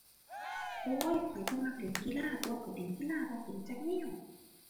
โอ้ย ข้อยบ่มักเล่นกีฬาตั่ว ข้อยเล่นกีฬาบ่เป็นจักแนว